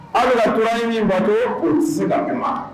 Aw bi ka turanin min bato l ti se ka ma.